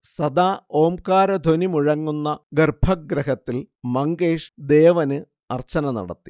സദാ ഓംകാരധ്വനി മുഴങ്ങുന്ന ഗർഭഗൃഹത്തിൽ മങ്കേഷ് ദേവന് അർച്ചന നടത്തി